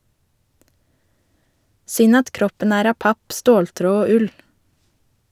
Synd at kroppen er av papp, ståltråd og ull.